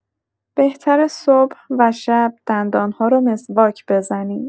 بهتره صبح و شب دندان‌ها رو مسواک بزنی.